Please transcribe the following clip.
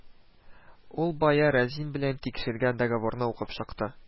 Ул бая Разин белән тикшергән договорны укып чыкты